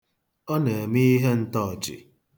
Ọ na-eme ihe ntọọchị.